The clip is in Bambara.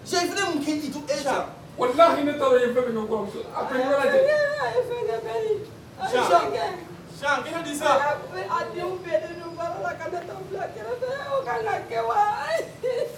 Cɛ kelen k' jurutu e la walisa fila kɛrɛfɛ ka kɛ wa